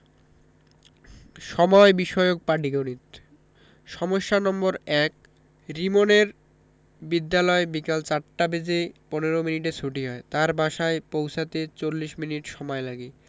সময় বিষয়ক পাটিগনিতঃ সমস্যা নম্বর ১ রিমনের বিদ্যালয় বিকাল ৪ টা বেজে ১৫ মিনিটে ছুটি হয় তার বাসায় পৌছাতে ৪০ মিনিট সময়লাগে